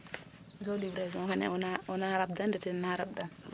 so livraison fe wona rabdan ndi ten na rabdan ?